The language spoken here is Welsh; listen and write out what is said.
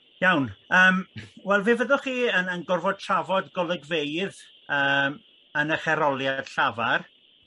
Iawn yym wel fe fyddwch chi yn yn gorfod trafod golygfeydd yym yn y'ch aroliad llafar.